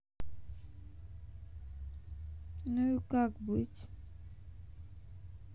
ну и как быть